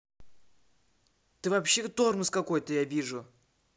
ты вообще тормоз какой то я вижу